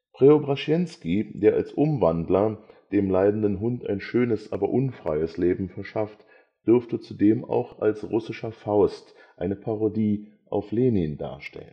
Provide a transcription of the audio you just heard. Preobrashenski, der als „ Umwandler “dem leidenden Hund ein schönes, aber unfreies Leben verschafft, dürfte zudem auch als russischer Faust eine Parodie auf Lenin darstellen